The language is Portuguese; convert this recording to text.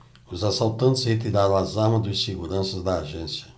os assaltantes retiraram as armas dos seguranças da agência